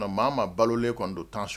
Maa ma balolen kɔni don tansɔn